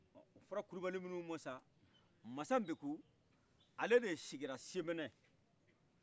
ofɔra kulubali minu ma sa masa mbekun ale sigira semɛna